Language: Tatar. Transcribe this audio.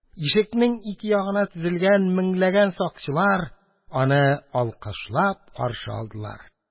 Ишекнең ике ягына тезелгән меңләгән сакчылар аны алкышлап каршы алдылар.